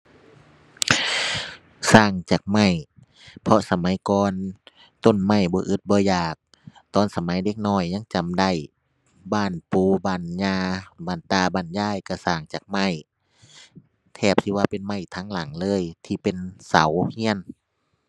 สร้างจากไม้ เพราะสมัยก่อนต้นไม้บ่อึดบ่อยาก ตอนสมัยเด็กน้อยยังจำได้ บ้านปู่บ้านย่าบ้านตาบ้านยายก็สร้างจากไม้ แทบสิว่าเป็นไม้ทั้งหลังเลยที่เป็นเสาก็